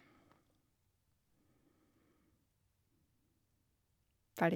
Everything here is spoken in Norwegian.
Ferdig.